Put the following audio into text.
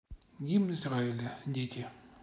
гимн израиля дети